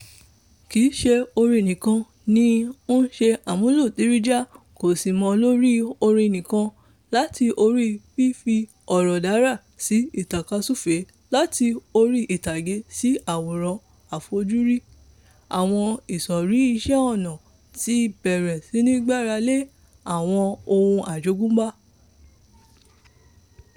Kìí ṣe orin nìkan ni ó ń ṣe àmúlò Darija, kò sì mọ lórí orin nìkan, láti orí fífi ọ̀rọ̀ dára sí tàkasúfè, láti orí ìtàgé sí àwòrán àfojúrí, àwọn ìrísí iṣẹ́ ọnà ti bẹ̀rẹ̀ sí ní gbára lé àwọn ohun àjogúnbá.